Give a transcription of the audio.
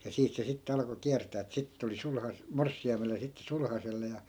ja siitä se sitten alkoi kiertää että sitten tuli - morsiamelle ja sitten sulhaselle ja